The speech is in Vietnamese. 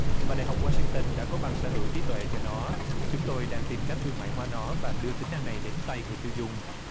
và đại học oa sinh tơn đã có bằng sở hữu trí tuệ cho nó chúng tôi đang tìm cách thương mại hoa nó và đưa tính năng này đến tay người tiêu dùng